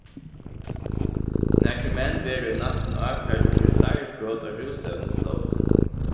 nakrir menn verða í næstum ákærdir fyri fleiri brot á rúsevnislógina